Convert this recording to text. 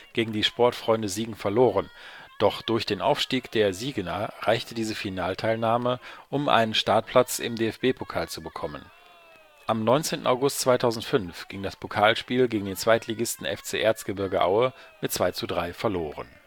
gegen die Sportfreunde Siegen verloren, doch durch den Aufstieg der Siegener reichte diese Finalteilnahme, um einen Startplatz im DFB-Pokal zu bekommen. Am 19. August 2005 ging das Pokalspiel gegen den Zweitligisten FC Erzgebirge Aue mit 2:3 verloren